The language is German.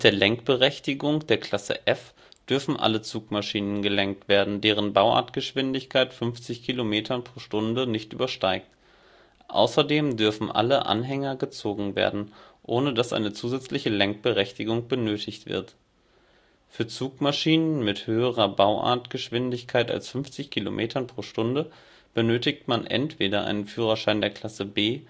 Lenkberechtigung der Klasse F dürfen alle Zugmaschinen gelenkt werden, deren Bauartgeschwindigkeit 50 km/h nicht übersteigt. Außerdem dürfen alle Anhänger gezogen werden, ohne dass eine zusätzliche Lenkberechtigung benötigt wird. Für Zugmaschinen mit höherer Bauartgeschwindigkeit als 50 km/h benötigt man entweder einen Führerschein der Klasse B